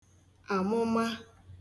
àmụmụ